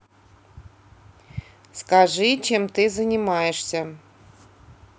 скажи чем ты занимаешься